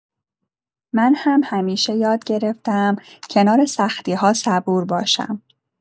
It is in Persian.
من هم همیشه یاد گرفته‌ام کنار سختی‌ها صبور باشم.